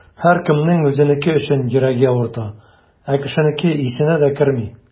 Һәркемнең үзенеке өчен йөрәге авырта, ә кешенеке исенә дә керми.